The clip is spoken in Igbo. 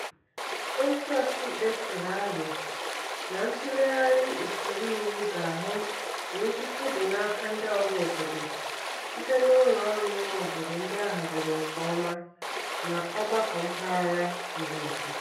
Otu ọkàikpe turu aro na ntụleghari usoro iwu ga-ahụ na ikike dị n'aka ndị ọhaobodo site n'ụlọọrụ imeobodo ndị a haziri nke ọma na ọgbakọ mpaghara zụrụ oke